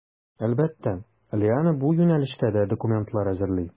Әлбәттә, Лиана бу юнәлештә дә документлар әзерли.